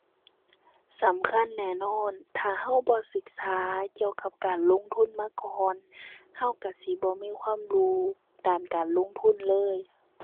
สำคัญแน่นอน ถ้าเราบ่ศึกษาเกี่ยวกับการลงทุนมาก่อน เราเราสิบ่มีความรู้ด้านการลงทุนเลย